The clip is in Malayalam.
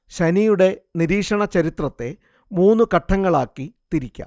ശനിയുടെ നിരീക്ഷണ ചരിത്രത്തെ മൂന്ന് ഘട്ടങ്ങളാക്കി തിരിക്കാം